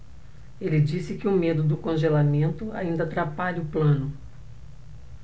ele disse que o medo do congelamento ainda atrapalha o plano